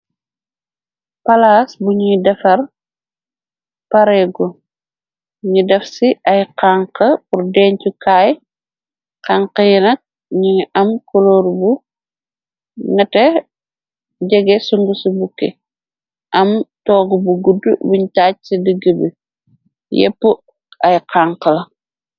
Palaas buñuy defar pareegu nu def ci ay xank bur deencu kaay xanx yenak ñuy am koloor bu nate jege sung ci bukki am toog bu gudd wiñ tàaj ci digg bi yepp ay xanx la.